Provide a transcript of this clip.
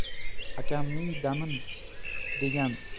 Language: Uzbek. akamning damin degan